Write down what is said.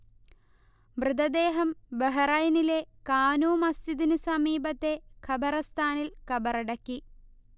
മൃതദേഹം ബഹ്റൈനിലെ കാനൂ മസ്ജിദിനു സമീപത്തെ ഖബർസ്ഥാനിൽ കബറടക്കി